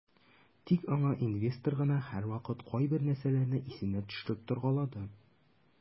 Тик аңа инвестор гына һәрвакыт кайбер нәрсәләрне исенә төшереп торгалады.